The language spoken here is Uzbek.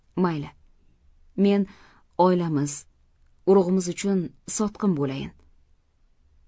mayli men oilamiz urug'imiz uchun sotqin bo'layin